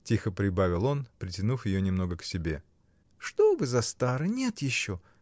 — тихо прибавил он, притянув ее немного к себе. — Что вы за стары: нет еще!